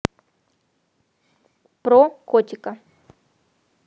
про котика